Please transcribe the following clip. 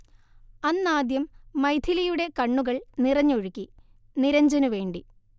അന്നാദ്യം മൈഥിലിയുടെ കണ്ണുകൾ നിറഞ്ഞൊഴുകി നിരഞ്ജനു വേണ്ടി